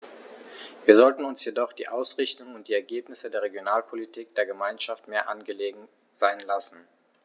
Wir sollten uns jedoch die Ausrichtung und die Ergebnisse der Regionalpolitik der Gemeinschaft mehr angelegen sein lassen.